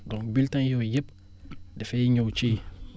donc bulletins yooyu yépp dafay ñëw ci